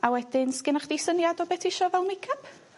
a wedyn sgennoch chdi syniad o be' t'isio fel makeup?